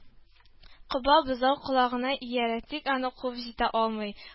Коба бозау колагына иярә, тик аны куып җитә алмый